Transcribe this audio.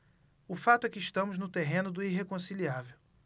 o fato é que estamos no terreno do irreconciliável